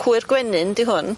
Cwyr gwenyn 'di hwn.